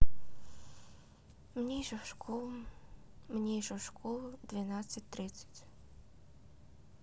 мне еще в школу мне в школу двенадцать тридцать